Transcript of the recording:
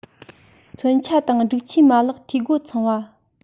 མཚོན ཆ དང སྒྲིག ཆས མ ལག འཐུས སྒོ ཚང བ